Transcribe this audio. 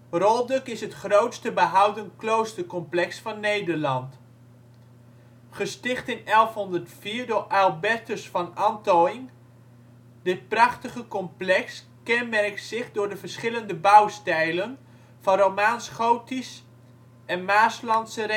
Rolduc is het grootste behouden kloostercomplex van Nederland. Gesticht in 1104 door Ailbertus van Anthoing. Dit prachtige complex kenmerkt zich door de verschillende bouwstijlen van Romaans/Gotisch en maaslandse